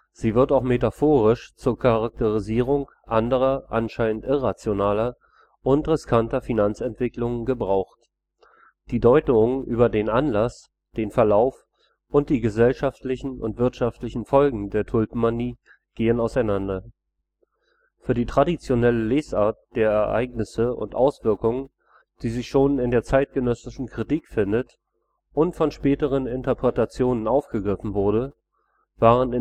Sie wird auch metaphorisch zur Charakterisierung anderer, anscheinend irrationaler und riskanter Finanzentwicklungen gebraucht. Die Deutungen über den Anlass, den Verlauf und die gesellschaftlichen und wirtschaftlichen Folgen der Tulpenmanie gehen auseinander. Für die traditionelle Lesart der Ereignisse und Auswirkungen, die sich schon in der zeitgenössischen Kritik findet und von späteren Interpretationen aufgegriffen wurde, waren